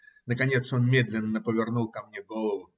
Наконец он медленно повернул ко мне голову.